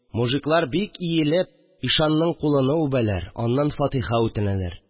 Мужиклар бик иелеп ишанның кулыны үбәләр, аннан фатиха үтенәләр